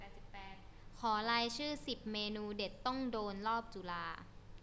ขอรายชื่อสิบเมนูเด็ดต้องโดนรอบจุฬา